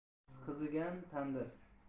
qiz ko'ngli qizigan tandir